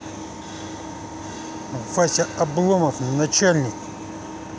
вася обломов начальник